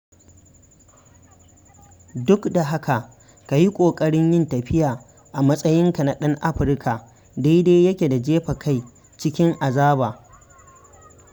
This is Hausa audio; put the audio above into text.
Duk da haka, ka yi ƙoƙarin yin tafiya a matsayinka na ɗan Afirka daidai yake da jefa kai cikin azaba.